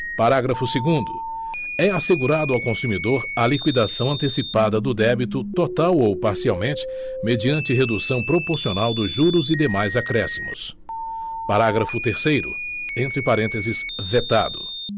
parágrafo segundo é assegurado ao consumidor a liquidação antecipada do débito total ou parcialmente mediante redução proporcional dos juros e demais acréscimos parágrafo terceiro entre parênteses vetado